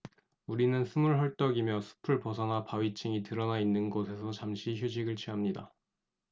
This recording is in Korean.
우리는 숨을 헐떡이며 숲을 벗어나 바위층이 드러나 있는 곳에서 잠시 휴식을 취합니다